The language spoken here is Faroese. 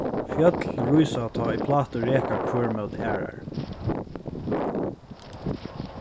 fjøll rísa tá ið plátur reka hvør móti aðrari